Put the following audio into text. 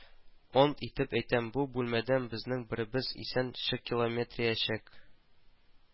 Ант итеп әйтәм, бу бүлмәдән безнең беребез исән чыкилометраячак